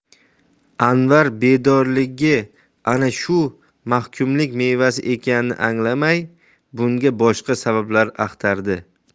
anvar bedorligi ana shu mahkumlik mevasi ekanini anglamay bunga boshqa sabablar axtardi